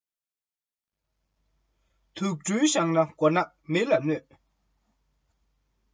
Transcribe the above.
སྤྱང ཀི བཞག ན གཡང དཀར ལུག ལ ངན